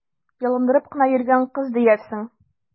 Ялындырып кына йөргән кыз диярсең!